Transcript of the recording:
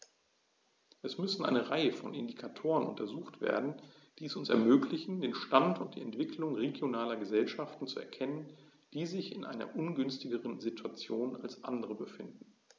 Es müssen eine Reihe von Indikatoren untersucht werden, die es uns ermöglichen, den Stand und die Entwicklung regionaler Gesellschaften zu erkennen, die sich in einer ungünstigeren Situation als andere befinden.